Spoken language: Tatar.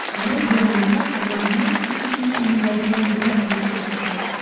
Гает бәйрәмендә кызларны уз өенә әниләре белән бергә кунакка чакыра.